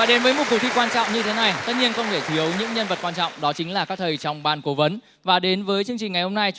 và đến với một cuộc thi quan trọng như thế này tất nhiên không thể thiếu những nhân vật quan trọng đó chính là các thầy trong ban cố vấn và đến với chương trình ngày hôm nay